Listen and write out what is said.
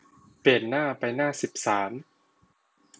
เปลี่ยนหน้าไปหน้าสิบสาม